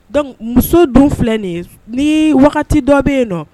Donc muso dun filɛ nin ni wagati dɔ bɛ yen nɔ